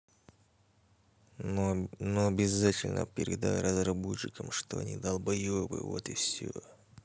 но обязательно передай разработчикам что они долбоебы вот и все